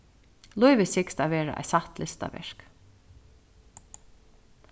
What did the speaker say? lívið sigst at vera eitt satt listaverk